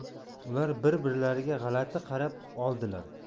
ular bir birlariga g'alati qarab oldilar